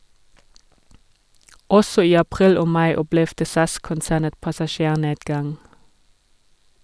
Også i april og mai opplevde SAS-konsernet passasjernedgang.